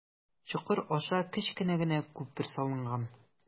Чокыр аша кечкенә генә күпер салынган.